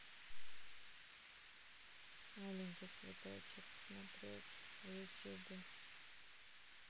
аленький цветочек смотреть в ютубе